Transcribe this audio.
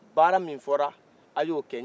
baara min fɔra a ye o kɛ